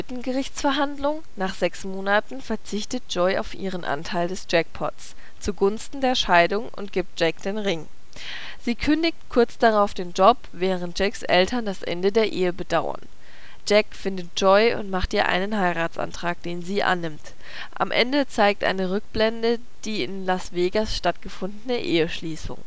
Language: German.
Gerichtsverhandlung nach sechs Monaten verzichtet Joy auf ihren Anteil des Jackpots, zugunsten der Scheidung und gibt Jack den Ring. Sie kündigt kurz darauf den Job, während Jacks Eltern das Ende der Ehe bedauern. Jack findet Joy und macht ihr einen Heiratsantrag, den sie annimmt. Am Ende zeigt eine Rückblende die in Las Vegas stattgefundene Eheschliessung